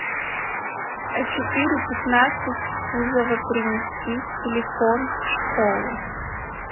а четыре пятнадцать пузово принести телефон в школу